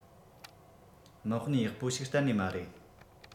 དམག དཔོན ཡག པོ ཞིག གཏན ནས མ རེད